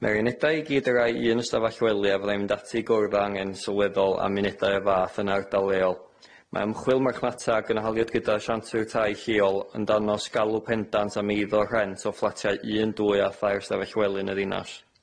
Mae'r unedau i gyd y rai un ystafell wely a fyddai'n mynd ati i gwrdd a angen sylweddol am unedau y fath yn ardal leol. Mae ymchwil marchnata a gynhaliwyd gyda ashantyr tai lleol yn danos galw pendant am eiddo rhent o fflatiau un dwy a thair ystafell wely yn y ddinas.